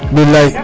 Bilaay